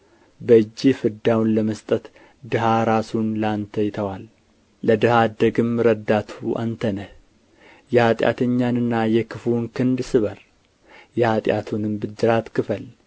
በእጅህ ፍዳውን ለመስጠት ድሀ ራሱን ለአንተ ይተዋል ለድሀ አደግም ረዳቱ አንተ ነህ የኃጢአተኛንና የክፉን ክንድ ስበር የኃጢአቱንም ብድራት ክፈል